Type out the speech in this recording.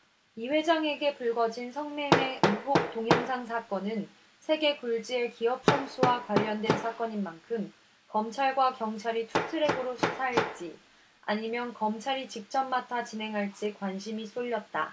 이 회장에게 불거진 성매매 의혹 동영상 사건은 세계 굴지의 기업 총수와 관련된 사건인 만큼 검찰과 경찰이 투트랙으로 수사할지 아니면 검찰이 직접 맡아 진행할지 관심이 쏠렸다